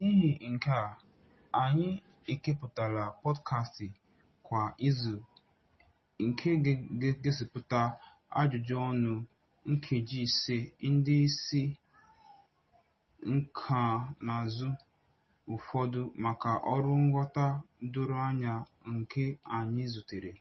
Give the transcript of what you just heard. N'ihi nke a, anyị ekepụtala pọdkastị kwa izu nke ga-egosịpụta ajụjụọnụ nkeji ise ndị isi nkànaụzụ ụfọdụ maka ọrụ nghọta doro anya nke anyị zutere.